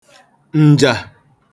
ǹjà